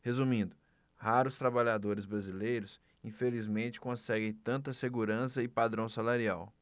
resumindo raros trabalhadores brasileiros infelizmente conseguem tanta segurança e padrão salarial